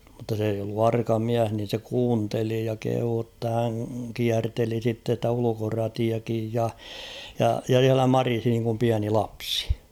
mutta se ei ollut arka mies niin se kuunteli ja kehui jotta hän kierteli sitten sitä ulkoratiakin ja ja ja siellä marisi niin kuin pieni lapsi